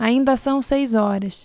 ainda são seis horas